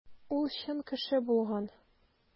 Ул чын кеше булган.